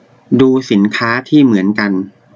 ดูสินค้าที่เหมือนกัน